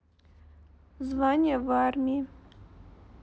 звание в армии